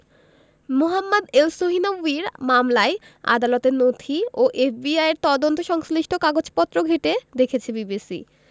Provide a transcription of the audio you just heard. মোহাম্মদ এলসহিনাউয়ির মামলায় আদালতের নথি ও এফবিআইয়ের তদন্ত সংশ্লিষ্ট কাগজপত্র ঘেঁটে দেখেছে বিবিসি